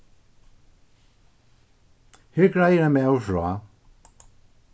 her greiðir ein maður frá